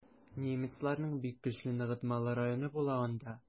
Немецларның бик көчле ныгытмалы районы була анда.